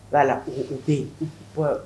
Voilà o o o be ye unh bon